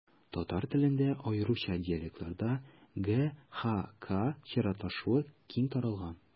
Татар телендә, аеруча диалектларда, г-х-к чиратлашуы киң таралган.